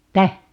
mitä